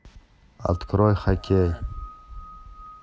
открой хоккей